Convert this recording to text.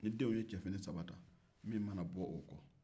ni denw ye cɛfini saba ta min mana bɔ o kɔ